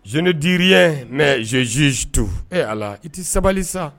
Zediye mɛ zezze don ee a i tɛ sabali sa